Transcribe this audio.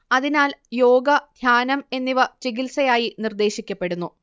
അതിനാൽ യോഗ ധ്യാനം എന്നിവ ചികിത്സയായി നിർദ്ദേശിക്കപ്പെടുന്നു